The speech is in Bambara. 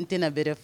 An n tɛna bɛ